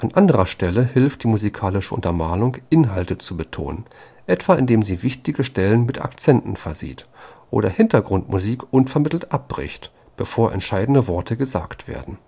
anderer Stelle hilft die musikalische Untermalung, Inhalte zu betonen, etwa indem sie wichtige Stellen mit Akzenten versieht oder Hintergrundmusik unvermittelt abbricht, bevor entscheidende Worte gesagt werden